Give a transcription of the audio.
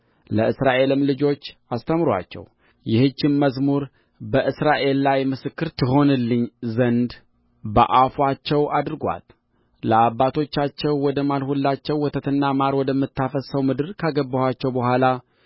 ለእስራኤልም ልጆች አስተምሩአቸው ይህችም መዝሙር በእስራኤል ላይ ምስክር ትሆንልኝ ዘንድ በአፋቸው አድርጓት ለአባቶቻቸው ወደ ማልሁላቸው ወተትና ማር ወደ ምታፈስሰው ምድር ካገባኋቸው በኋላ